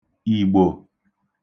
Ìgbò